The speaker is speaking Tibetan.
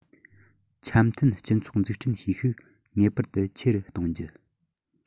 འཆམ མཐུན སྤྱི ཚོགས འཛུགས སྐྲུན བྱེད ཤུགས ངེས པར དུ ཆེ རུ གཏོང རྒྱུ